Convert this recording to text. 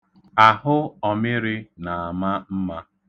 Ahụ ọmịrị na-ama mma.